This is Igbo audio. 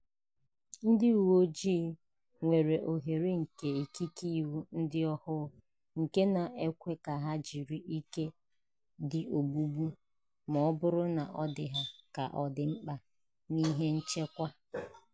Ndị uwe ojii nwere ohere nke ikike iwu ndị ọhụrụ nke na-ekwe ka ha jiri ike dị ogbugbu ma ọ bụrụ na ọ dị ha ka ọ dị mkpa n'ihi nchekwa.